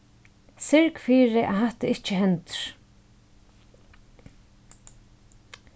syrg fyri at hatta ikki hendir